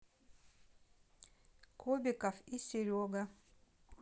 кобиков и серега